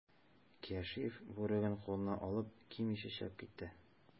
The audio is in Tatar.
Кәшиф, бүреген кулына алып, кимичә чыгып китте.